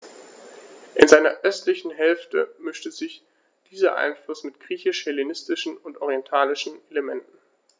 In seiner östlichen Hälfte mischte sich dieser Einfluss mit griechisch-hellenistischen und orientalischen Elementen.